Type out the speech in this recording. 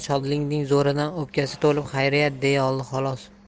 shodlikning zo'ridan o'pkasi to'lib xayriyat deya oldi xolos